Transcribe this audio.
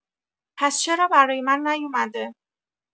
پس چرا برای من نیومده؟!